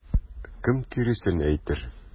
Кем киресен әйтер?